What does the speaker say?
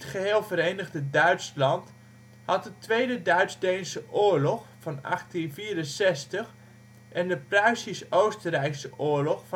geheel verenigde Duitsland had de Tweede Duits-Deense Oorlog (1864) en de Pruisisch-Oostenrijkse Oorlog